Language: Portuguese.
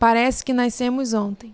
parece que nascemos ontem